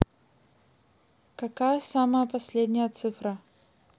какая самая последняя цифра